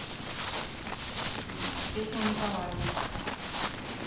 песня николаева